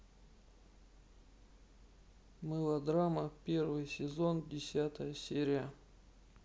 мылодрама первый сезон десятая серия